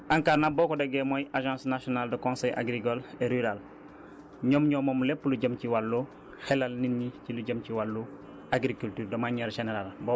ANCAR nag boo ko déggee mooy agence nationale de conseil agricole et rural ñoom ñoo moom lépp lu jëm ci wàllu xelal nit ñi ci lu jëm ci wàllu agriculture de manière générale